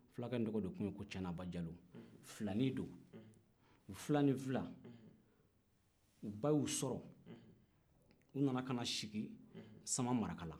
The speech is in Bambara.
fulakɛ in tɔgɔ de tun ye ko canaba jalo filanin do u filanin fila u ba y'u sɔrɔ u nana ka na sigi samamarakala